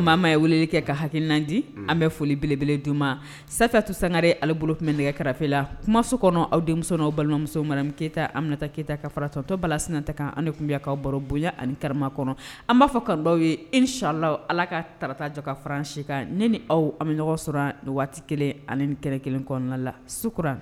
maama ye weleli kɛ ka hakinandi an bɛ foli belebele d ma sanfɛ tu sangare ale bolo tun bɛ nɛgɛ kɛrɛfɛfe la kumaso kɔnɔ aw denmuso aw balimamuso keyita anminata keyita ka faratɔtɔ balalasinata kan an tun bɛkaw baro bonya ani karama kɔnɔ an b'a fɔ kanubaw ye e shyanla ala ka tata jɔka fararansi kan ne ni aw an bɛ ɲɔgɔn sɔrɔ waati kelen ani kɛrɛn kelen kɔnɔna la sukura